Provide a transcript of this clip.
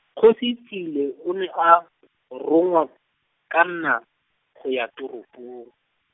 Kgosietsile o ne a , rongwa, ke nna, go ya teropong.